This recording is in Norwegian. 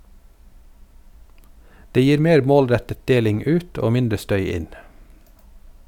Det gir mer målrettet deling ut, og mindre støy inn.